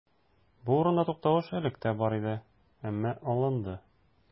Бу урында тукталыш элек тә бар иде, әмма алынды.